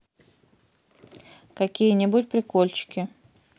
какие нибудь прикольчики